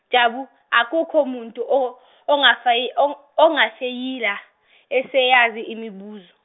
Jabu akukho muntu o- ongafayi- o- ongafeyila eseyazi imibuzo.